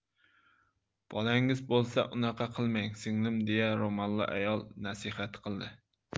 bolangiz bo'lsa unaqa qilmang singlim deya ro'molli ayol nasihat qildi